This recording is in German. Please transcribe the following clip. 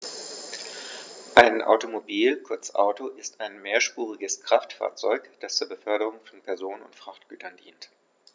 Ein Automobil, kurz Auto, ist ein mehrspuriges Kraftfahrzeug, das zur Beförderung von Personen und Frachtgütern dient.